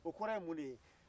o kɔrɔ ye mun de ye